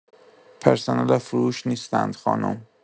پرسنل فروش نیستند خانم.